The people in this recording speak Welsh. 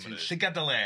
Ti'n llygad dy le.